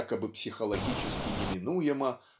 якобы психологически неминуемо